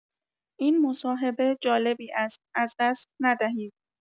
این مصاحبه جالبی است، از دست ندهید.